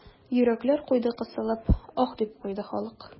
Йөрәкләр куйды кысылып, аһ, дип куйды халык.